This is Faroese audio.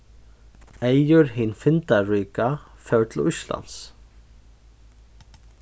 eyður hin findarríka fór til íslands